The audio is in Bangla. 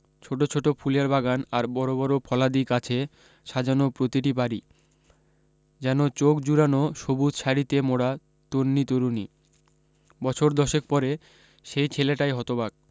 ছোট ছোট ফুলের বাগান আর বড় বড় ফলাদি গাছে সাজানো প্রতিটা বাড়ী যেন চোখ জুড়ানো সবুজ শাড়ীতে মোড়া তন্বী তরুণী বছর দশেক পরে সেই ছেলেটাই হতবাক